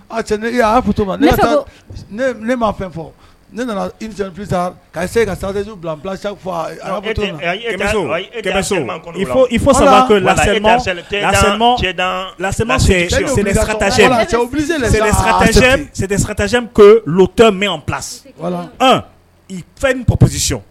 'ato ne ma fɛn fɔ ne nana ka se ka sasi biladta ta mɛn i fɛn ppsic